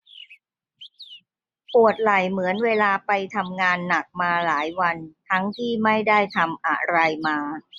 ปวดไหล่เหมือนเวลาไปทำงานหนักมาหลายวันทั้งที่ไม่ได้ทำอะไรมา